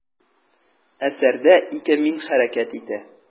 Әсәрдә ике «мин» хәрәкәт итә.